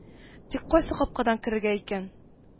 Тик кайсы капкадан керергә икән